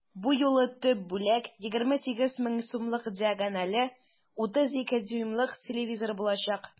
Бу юлы төп бүләк 28 мең сумлык диагонале 32 дюймлык телевизор булачак.